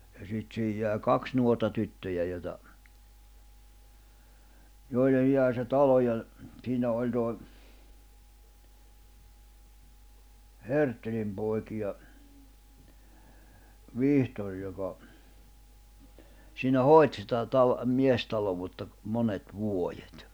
ja sitten siihen jäi kaksi nuorta tyttöä joita joille jäi se talo ja siinä oli toi Herttelin poikia Vihtori joka siinä hoiti sitä - miestaloutta monet vuodet